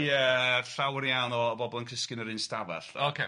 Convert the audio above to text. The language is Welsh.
Ia llawer iawn o bobl yn cysgu yn yr un stafall... Ocê